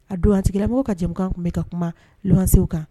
A don a tigilamɔgɔw ka jɛmukan tun bɛ ka kuma luwansew kan.